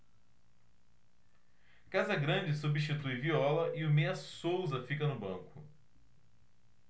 casagrande substitui viola e o meia souza fica no banco